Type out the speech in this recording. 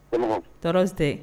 Tɔɔrɔ tɛ